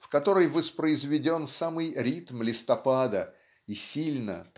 в которой воспроизведен самый ритм листопада и сильно